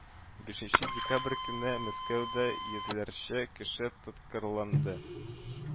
Бишенче декабрь көнне мәскәүдә йөзләрчә кеше тоткарланды